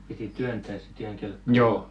piti työntää sitten ihan kelkkaa